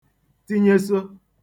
tinyeso